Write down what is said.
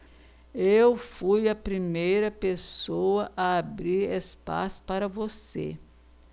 eu fui a primeira pessoa a abrir espaço para você